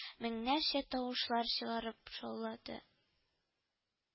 Меңнәрчә тавышлар чыгарып шаулады